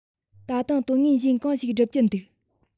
ད དུང དོན ངན གཞན གང ཞིག སྒྲུབ ཀྱིན འདུག